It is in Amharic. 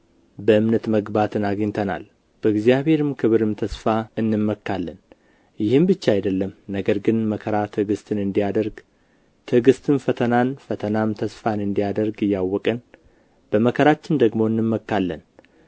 በእምነት መግባትን አግኝተናል በእግዚአብሔር ክብርም ተስፋ እንመካለን ይህም ብቻ አይደለም ነገር ግን መከራ ትዕግሥትን እንዲያደርግ ትዕግሥትም ፈተናን ፈተናም ተስፋን እንዲያደርግ እያወቅን በመከራችን ደግሞ እንመካለን